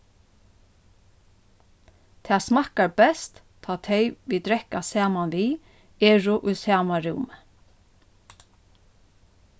tað smakkar best tá tey vit drekka saman við eru í sama rúmi